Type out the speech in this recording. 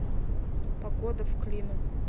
погода в клину